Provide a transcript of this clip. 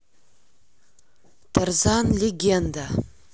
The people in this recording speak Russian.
тарзан легенда